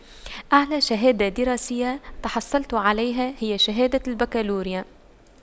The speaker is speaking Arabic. أعلى شهادة دراسية تحصلت عليها هي شهادة البكالوريا